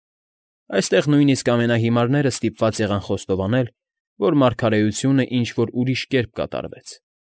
Այստեղ նույնիսկ ամենահիմարները ստիպված եղան խոստովանել, որ մարգարեությունը ինչ֊որ ուրիշ կերպ կատարվեց։